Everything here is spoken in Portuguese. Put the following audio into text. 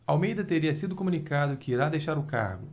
almeida teria sido comunicado que irá deixar o cargo